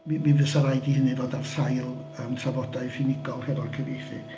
Mi mi fysa raid i hynny fod ar sail yym trafodaeth unigol hefo'r cyfieithydd.